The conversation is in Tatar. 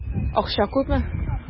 Акча күпме?